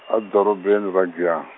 a dorobeni ra Giyan-.